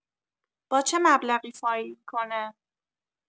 با چه مبلغی فایل می‌کنه؟